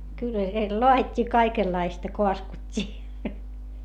kyllä siellä laadittiin kaikenlaista kaskuttiin